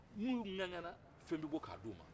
n'u ŋaŋana fɛn bɛ bɔ ka d'u ma